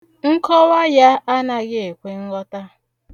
Nkọwa ya anaghị ekwe nghọta.